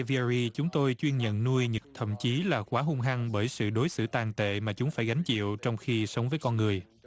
ve ry chúng tôi chuyên nhận nuôi nhưng thậm chí là quá hung hăng bởi sự đối xử tàn tệ mà chúng phải gánh chịu trong khi sống với con người